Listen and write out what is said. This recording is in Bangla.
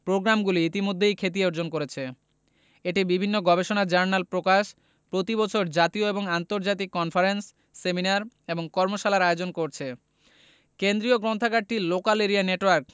প্রগ্রামগুলি ইতোমধ্যে খ্যাতি অর্জন করেছে এটি বিভিন্ন গবেষণা জার্নাল প্রকাশ প্রতি বছর জাতীয় এবং আন্তর্জাতিক কনফারেন্স সেমিনার এবং কর্মশালার আয়োজন করছে কেন্দ্রীয় গ্রন্থাগারটি লোকাল এরিয়া নেটওয়ার্ক